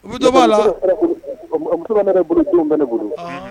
N bɛ jɔ b'a la ne bolo